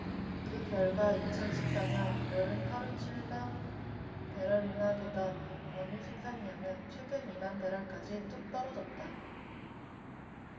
그 결과 이천 십 사 년 여름 하루 칠 만 배럴이나 되던 원유 생산량은 최근 이 만 배럴까지 뚝 떨어졌다